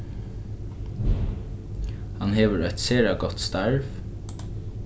hann hevur eitt sera gott starv